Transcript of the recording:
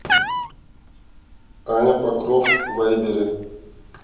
аня покров вайбере